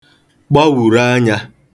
gbawùru anyā